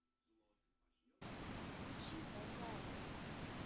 отключи пожалуйста